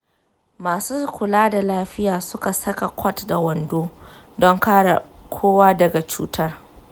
masu kula da lafiya su saka kwat da wando don kare kowa daga cutar.